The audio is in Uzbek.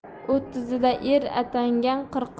o'ttizida er atangan